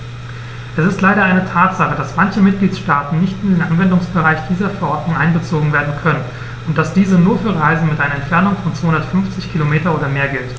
Es ist leider eine Tatsache, dass manche Mitgliedstaaten nicht in den Anwendungsbereich dieser Verordnung einbezogen werden können und dass diese nur für Reisen mit einer Entfernung von 250 km oder mehr gilt.